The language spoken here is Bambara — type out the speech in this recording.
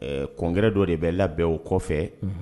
Kɔnɔnkɛ dɔ de bɛ labɛn o kɔfɛ